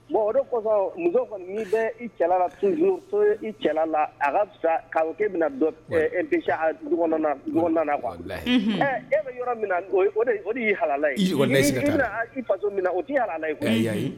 Bon o de kɔsɔn musow kɔni min bɛ i cɛlala la sin so ye i cɛlala la a ka fisa' e bɛna ep e bɛ yɔrɔ min o de y' hala bɛna i o alala